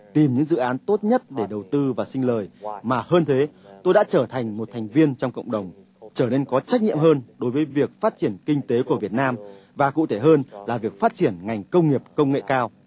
tìm những dự án tốt nhất để đầu tư và sinh lời mà hơn thế tôi đã trở thành một thành viên trong cộng đồng trở nên có trách nhiệm hơn đối với việc phát triển kinh tế của việt nam và cụ thể hơn là việc phát triển ngành công nghiệp công nghệ cao